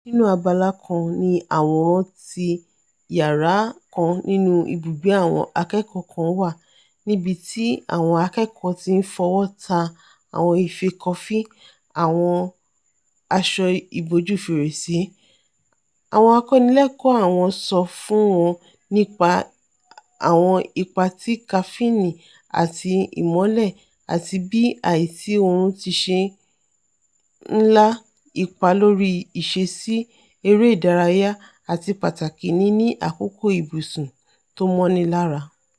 nínú abala kan ni àwòrán tí yàrá kan nínú ibùgbé àwọn akẹ́kọ̀ọ́ kan wa, níbití àwọn akẹ́kọ̀ọ́ ti ńfọwọ́ ta àwọn ife kọfí, àwọn asọ ìbòju fèrèsé, àwọn akọ́nilẹ́kọ̀ọ́ àwọn sọ fún wọn nípa àwọn ipa ti kafínìnnì àti ìmọ́lẹ̀ àti bí àìsí oorun tiṣe nla ipa lórí ìṣeṣí eré ìdárayá, àti pàtàkì níní àkókó ibùsùn tómọ́nilára.